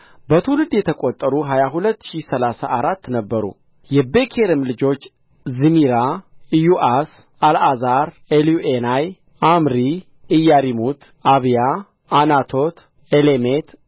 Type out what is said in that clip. በትውልድ የተቈጠሩ ሀያ ሁለት ሺህ ሠላሳ አራት ነበሩ የቤኬርም ልጆች ዝሚራ ኢዮአስ አልዓዛር ኤልዮዔናይ ዖምሪ ኢያሪሙት አብያ ዓናቶት ዓሌሜት